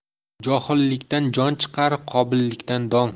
johillikdan jon chiqar qobillikdan dong